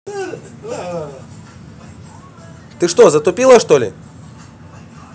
ты что затупила что ли